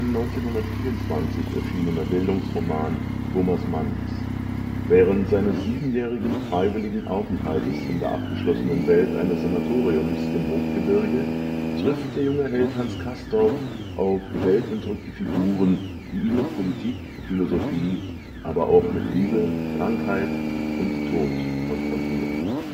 1924 erschienener Bildungsroman Thomas Manns. Während seines siebenjährigen freiwilligen Aufenthaltes in der abgeschlossenen Welt eines Sanatoriums im Hochgebirge trifft der junge Held Hans Castorp auf weltentrückte Figuren, die ihn mit Politik, Philosophie, aber auch Liebe, Krankheit und Tod konfrontieren